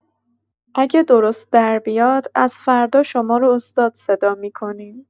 اگه درست دربیاد، از فردا شما رو استاد صدا می‌کنیم.